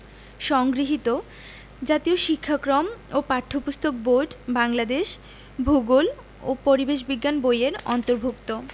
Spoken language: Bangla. সংগৃহীত জাতীয় শিক্ষাক্রম ও পাঠ্যপুস্তক বোর্ড বাংলাদেশ ভূগোল ও পরিবেশ বিজ্ঞান বই এর অন্তর্ভুক্ত